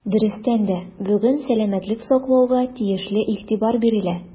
Дөрестән дә, бүген сәламәтлек саклауга тиешле игътибар бирелә.